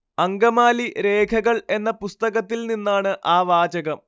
അങ്കമാലി രേഖകൾ എന്ന പുസ്തകത്തിൽ നിന്നാണ് ആ വാചകം